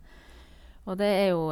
Og det er jo...